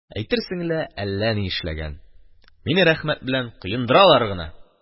Әйтерсең лә әллә ни эшләгән, мине рәхмәт белән коендыралар гына.